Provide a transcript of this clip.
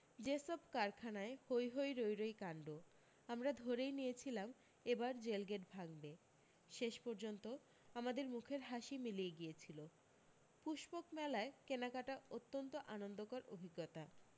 Jessop কারখানায় হৈ হৈ রৈ রৈ কাণড আমরা ধরেই নিয়েছিলাম এবার জেলগেট ভাঙবে শেষপর্যন্ত আমাদের মুখের হাসি মিলিয়ে গিয়েছিল পুষ্পক মেলায় কেনাকাটা অত্যন্ত আনন্দকর অভিজ্ঞতা